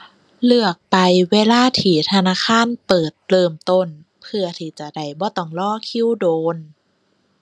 เลือกไปเวลาที่ธนาคารเปิดเริ่มต้น เพื่อที่จะได้บ่ต้องรอคิวโดน